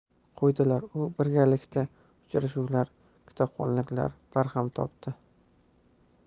qo'ydilar u birgalikda uchrashuvlar kitobxonliklar barham topdi